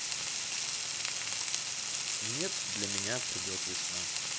нет для меня придет весна